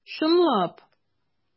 Чынлап!